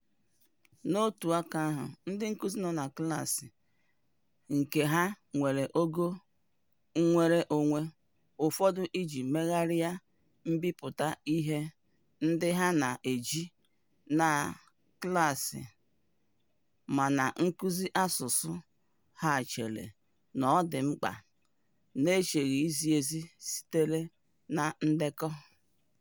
N'otu aka ahụ, ndị nkụzi nọ na klaasị nke ha nwere ogo nnwereonwe ụfọdụ iji megharịa mbipụta ihe ndị ha na-eji na klaasị ma na-akụzi asụsụ ha chere na ọ dị mkpa, n'echeghị izi ezi sitere na ndekọ.